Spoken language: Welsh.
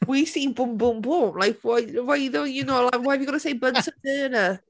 We see boom, boom, boom, like why why though are you not allowed, why have you got to say bunsen... Ha! ...burner?